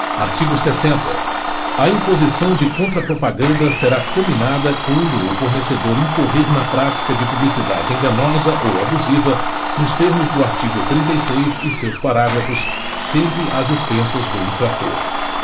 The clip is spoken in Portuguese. artigo sessenta a imposição de contrapropaganda será cominada quando o fornecedor incorrer na prática de publicidade enganosa ou abusiva nos termos do artigo trinta e seis e seus parágrafos sempre às expensas do infrator